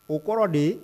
O kɔrɔ de